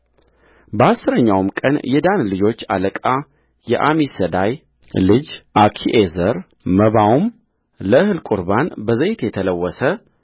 በአሥረኛውም ቀን የዳን ልጆች አለቃ የአሚሳዳይ ልጅ አኪዔዘርመባውም ለእህል ቍርባን በዘይት የተለወሰ